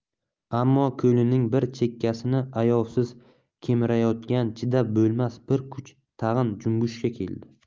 ammo ko'nglining bir chekkasini ayovsiz kemirayotgan chidab bo'lmas bir kuch tag'in junbushga keldi